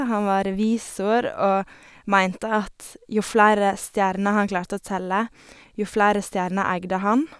Han var revisor og mente at jo flere stjerner han klarte å telle, jo flere stjerner eide han.